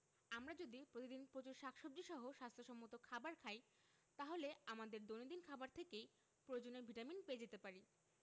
আমরা যদি প্রতিদিন প্রচুর শাকসবজী সহ স্বাস্থ্য সম্মত খাবার খাই তাহলে আমাদের দৈনন্দিন খাবার থেকেই প্রয়োজনীয় ভিটামিন পেয়ে যেতে পারি